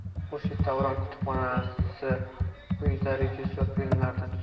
xurshid davron kutubxonasiquyida rejissor filmlaridan